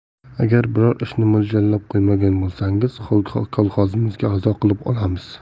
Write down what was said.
agar biror ishni mo'ljallab qo'ymagan bo'lsangiz kolxozimizga azo qilib olamiz